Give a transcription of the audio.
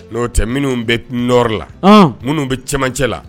N'o tɛ minnu bɛɔri la minnu bɛ cɛmancɛ la